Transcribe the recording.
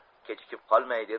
kechikib qolmay deb